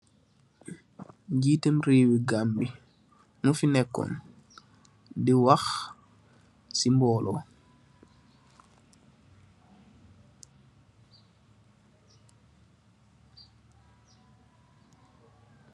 Njitaem reewi Gambi, nyo fi nekoon ,di wakh si mboolo.